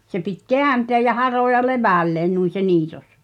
se piti kääntää ja haroa levälleen noin se niitos